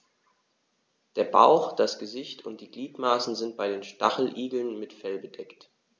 Der Bauch, das Gesicht und die Gliedmaßen sind bei den Stacheligeln mit Fell bedeckt.